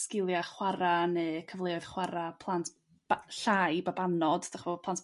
sgilia' chwara' ne' cyfleoedd chwara' plant b- llai babanod dych ch'mo' plant